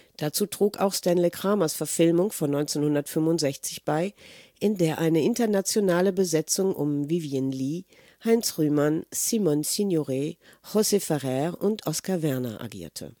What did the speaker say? Dazu trug auch Stanley Kramers Verfilmung von 1965 bei, in der eine internationale Besetzung um Vivien Leigh, Heinz Rühmann, Simone Signoret, José Ferrer und Oskar Werner agierte